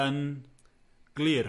Yn glir.